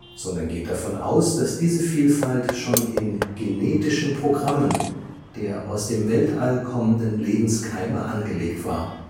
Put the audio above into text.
sondern geht davon aus, dass diese Vielfalt schon in „ genetischen Programmen “der aus dem Weltall kommenden Lebenskeime angelegt war